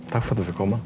takk for at eg fekk koma.